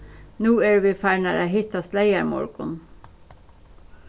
nú eru vit farnar at hittast leygarmorgun